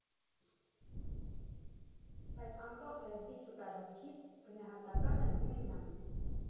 Բայց անկախ լեզվից ու տարածքից՝ գնահատականը նույնն ա մնում։